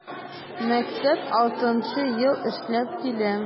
Мәктәп 6 нчы ел эшләп килә.